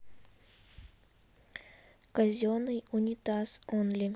казенный унитаз онли